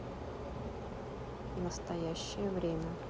настоящее время